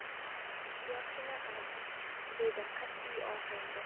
yoshini ayt dedi qatiy ohangda